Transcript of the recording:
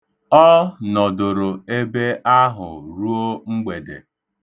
Ọ nọdoro ebe ahụ ruo mgbede.